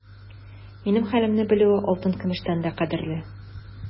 Минем хәлемне белүе алтын-көмештән дә кадерле.